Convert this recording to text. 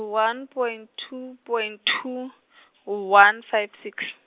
one point two point two , one five six.